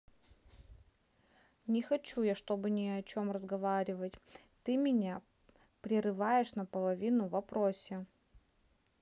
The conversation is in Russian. не хочу я чтобы ни о чем разговаривать ты меня прерываешь на половину в вопросе